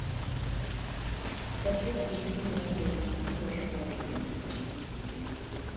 Բայց ես կուզեի նրանց ժամանակում թոշակառու լինել»։